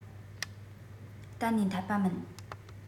གཏན ནས འཐད པ མིན